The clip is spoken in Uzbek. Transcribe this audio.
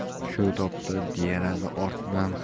shu topda deraza ortidan